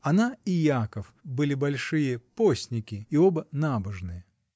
Она и Яков были большие постники, и оба набожные.